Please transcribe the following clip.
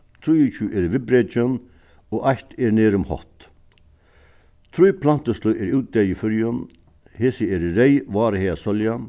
trýogtjúgu eru viðbrekin og eitt er nærum hótt trý plantusløg eru útdeyð í føroyum hesi eru reyð várhagasólja